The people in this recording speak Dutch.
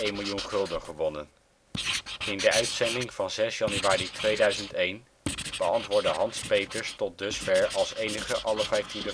miljoen gulden gewonnen. In de uitzending van 6 januari 2001 beantwoordde Hans Peters tot dusver als enige alle vijftien